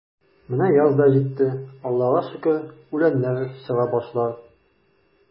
Менә яз да житте, Аллага шөкер, үләннәр чыга башлар.